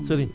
Serigne